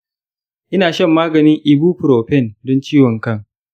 ina shan maganin ibupurofen don ciwon kan.